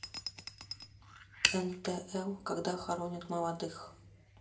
нтл когда хоронят молодых